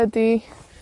ydi,